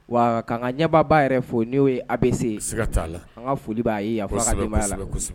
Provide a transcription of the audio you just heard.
Wa ka ka ɲɛbaa b'a yɛrɛ fɔ n'o ye a bɛ seiga'a la an ka foli b'a ye'a la